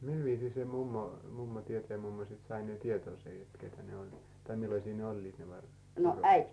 millä viisiin se mummo mummo tietäjämummo sitten sai ne tietoonsa jotta ketä ne olivat tai millaisia ne olivat ne - vorot